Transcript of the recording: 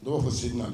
Dɔw' fɔ seginnana